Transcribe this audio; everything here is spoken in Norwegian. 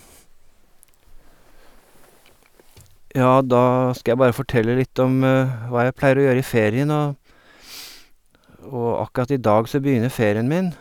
Ja, da skal jeg bare fortelle litt om hva jeg pleier å gjøre i ferien og og akkurat i dag så begynner ferien min.